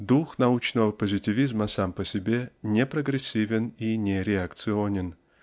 Дух научного позитивизма сам по себе не прогрессивен и не реакционен